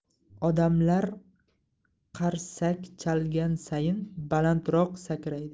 odamlar qarsak chalgan sayin balandroq sakraydi